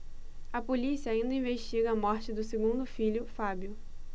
a polícia ainda investiga a morte do segundo filho fábio